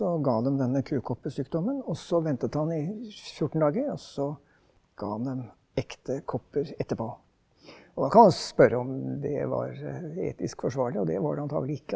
og ga dem denne kukopper-sykdommen også ventet han i 14 dager også ga han dem ekte kopper etterpå, og da kan man spørre om det var etisk forsvarlig, og det var det antagelig ikke.